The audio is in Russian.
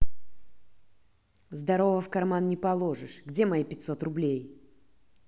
здорово в карман не положишь где мои пятьсот рублей